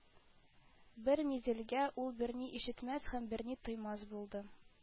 Бер мизелгә ул берни ишетмәс һәм берни тоймас булды